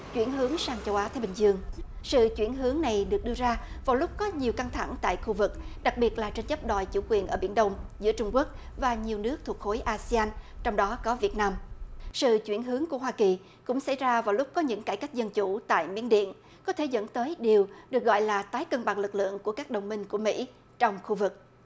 chuyển hướng sang châu á thái bình dương sự chuyển hướng này được đưa ra vào lúc có nhiều căng thẳng tại khu vực đặc biệt là tranh chấp đòi chủ quyền ở biển đông giữa trung quốc và nhiều nước thuộc khối a si an trong đó có việt nam sự chuyển hướng của hoa kỳ cũng xảy ra vào lúc có những cải cách dân chủ tại miến điện có thể dẫn tới đều được gọi là tái cân bằng lực lượng của các đồng minh của mỹ trong khu vực